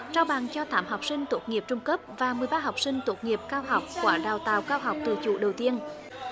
trao bằng cho tám học sinh tốt nghiệp trung cấp và mười ba học sinh tốt nghiệp cao học khóa đào tạo cao học từ chủ đầu tiên